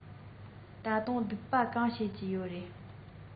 ད དུང སྡུག པ གང བྱེད ཀྱི ཡོད རས